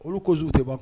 Olu causes tɛ ban